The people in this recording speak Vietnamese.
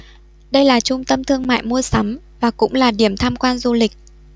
đây là trung tâm thương mại mua sắm và cũng là điểm tham quan du lịch